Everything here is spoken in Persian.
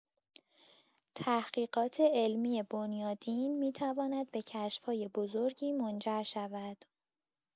تحقیقات علمی بنیادین می‌تواند به کشف‌های بزرگی منجر شود.